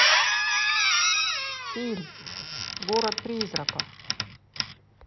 фильм город призраков